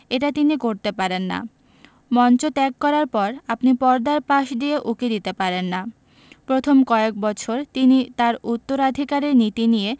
এটা তিনি করতে পারেন না মঞ্চ ত্যাগ করার পর আপনি পর্দার পাশ দিয়ে উঁকি দিতে পারেন না প্রথম কয়েক বছর তিনি তাঁর উত্তরাধিকারীর নীতি নিয়ে